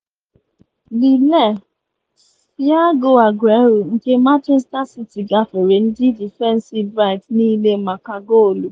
Lelee: Sergio Aguero nke Manchester City gafere ndị defensị Brighton niile maka goolu